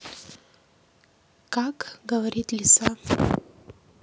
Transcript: как говорит лиса